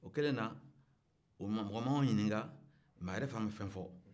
o kɛlen na mɔgɔ m'anw ɲinika mɛ a yɛrɛ fana ma fɛn fɔ